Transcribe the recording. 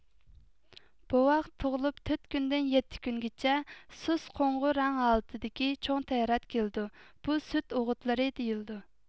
بوۋاق تۇغۇلۇپ تۆت كۈندىن يەتتە كۈنگىچە سۇس قوڭۇر رەڭ ھالىتىدىكى چوڭ تەرەت كېلىدۇ بۇ سۈت ئوغۇتلىرى دېيىلىدۇ